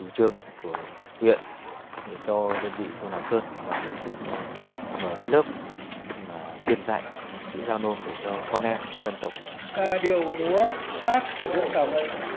chủ trương của huyện thầy cho đơn vị ở lạng sơn là tổ chức mở cái lớp là chuyên dạy chữ dao nôm để cho con em các dân tộc và điệu múa hát của dân tộc